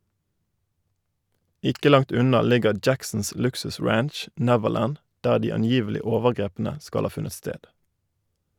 Ikke langt unna ligger Jacksons luksusranch Neverland, der de angivelige overgrepene skal ha funnet sted.